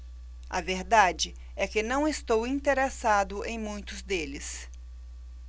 a verdade é que não estou interessado em muitos deles